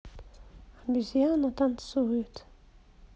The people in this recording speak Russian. обезьяна танцует